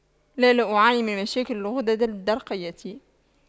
لا لا أعاني من مشاكل الغدد الدرقية